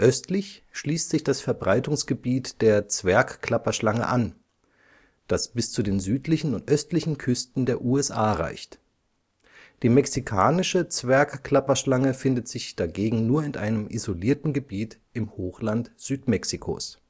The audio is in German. Südöstlich schließt sich das Verbreitungsgebiet der Zwergklapperschlange an, das bis zu den südlichen und östlichen Küsten der USA reicht. Die Mexikanische Zwergklapperschlange findet sich dagegen nur in einem isolierten Gebiet im Hochland Südmexikos